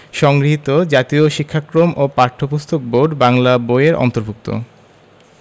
সংগৃহীত জাতীয় শিক্ষাক্রম ও পাঠ্যপুস্তক বোর্ড বাংলা বই এর অন্তর্ভুক্ত